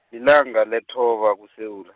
lilanga lethoba kuSewula.